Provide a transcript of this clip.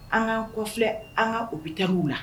An kaan kɔflɛ an ka ubitaw la